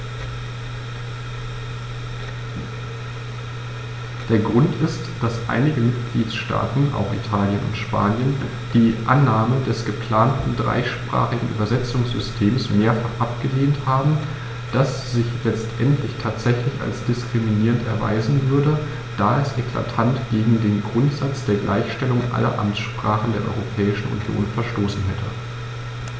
Der Grund ist, dass einige Mitgliedstaaten - auch Italien und Spanien - die Annahme des geplanten dreisprachigen Übersetzungssystems mehrfach abgelehnt haben, das sich letztendlich tatsächlich als diskriminierend erweisen würde, da es eklatant gegen den Grundsatz der Gleichstellung aller Amtssprachen der Europäischen Union verstoßen hätte.